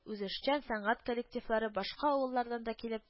Үзешчән сәнгать коллективлары башка авыллардан да килеп